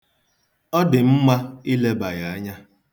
Ọ dị mma ileba ya anya.